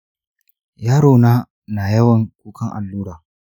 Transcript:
yarona na yawan kukan allura.